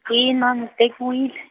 ina ni tekiwile.